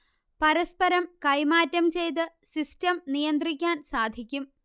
പരസ്പരം കൈമാറ്റം ചെയ്ത് സിസ്റ്റം നിയന്ത്രിക്കാൻ സാധിക്കും